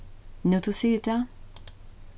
nú tú sigur tað